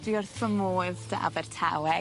Dwi wrth fy modd 'dy Abertawe.